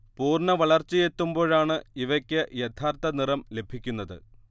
പൂർണ്ണവളർച്ചയെത്തുമ്പോഴാണ് ഇവക്ക് യഥാർത്ത നിറം ലഭിക്കുന്നത്